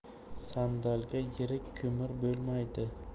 sandalga yirik ko'mir bo'lmaydi